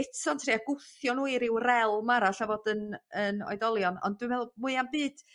Eto'n trio gwthio nw i ryw realm arall a fod yn yn oedolion ond dwi meddwl mwy na'm byd